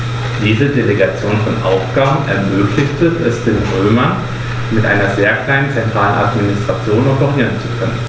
Diese Delegation von Aufgaben ermöglichte es den Römern, mit einer sehr kleinen zentralen Administration operieren zu können.